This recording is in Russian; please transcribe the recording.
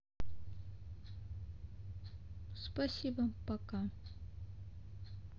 спасибо пока